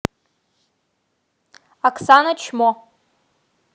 оксана чмо